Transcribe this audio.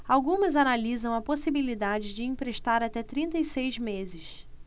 algumas analisam a possibilidade de emprestar até trinta e seis meses